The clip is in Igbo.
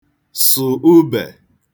sụ̀ ubè